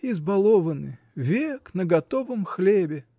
Избалованы, век — на готовом хлебе!